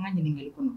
A ma ɲini kelen kɔnɔ